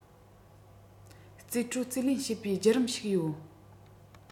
རྩིས སྤྲོད རྩིས ལེན བྱེད པའི བརྒྱུད རིམ ཞིག ཡོད